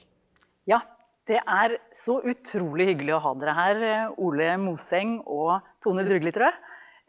ja det er så utrolig hyggelig å ha dere her Ole Moseng og Tone Druglitrø.